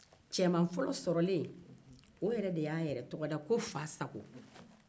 cɛman fɔlɔ y'a yɛrɛ tɔgɔ da ko fasago